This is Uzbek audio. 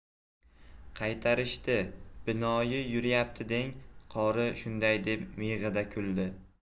qaytarishdi binoyi yuryapti deng qori shunday deb miyig'ida kuldi